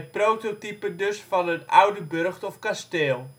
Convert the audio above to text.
prototype dus van een oude burcht of kasteel